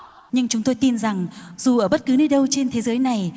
nhưng chúng tôi tin rằng dù ở bất cứ nơi đâu trên thế giới này